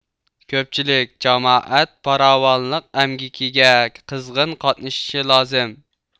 كۆپچىلىك جامائەت پاراۋانلىق ئەمگىكىگەقىزغىن قاتنىشىشى لازىم